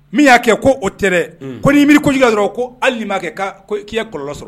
Min y'a kɛ ko o tɛ ko n'i miiri ko kojugu dɔrɔn ko hali m'a kɛ k'i kɔlɔnlɔ sɔrɔ